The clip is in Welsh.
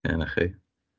Ia 'na chi.